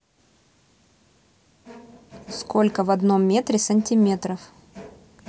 сколько в одном метре сантиметров